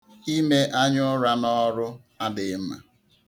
Ime anyaụra n'ọrụ adịghị mma.